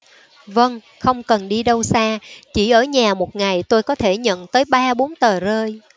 vâng không cần đi đâu xa chỉ ở nhà một ngày tôi có thể nhận tới ba bốn tờ rơi